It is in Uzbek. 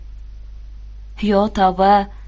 yo tavba